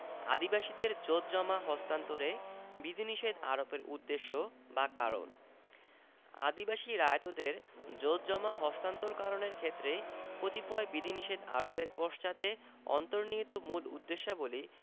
আদিবাসীদের জোতজমা হস্তান্তরে বিধি নিষেধ আরোপের উদ্দেশ্য বা কারণ আদিবাসী রায়তদের জোতজমা হস্তান্তর করণের ক্ষেত্রে কতিপয় বিধিনিষেধ আরোপের পশ্চাতে অন্তর্নিহিত মূল উদ্দেশ্যাবলী